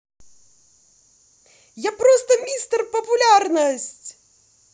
я просто mister популярность